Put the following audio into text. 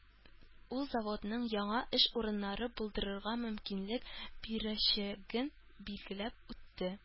Ул заводның яңа эш урыннары булдырырга мөмкинлек бирәчәген билгеләп үтте